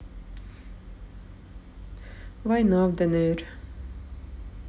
война в днр